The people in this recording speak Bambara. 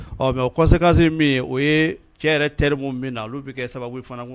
Ɔ mɛ o kɔsekase min o ye cɛ teri min min na olu bɛ kɛ sababu fana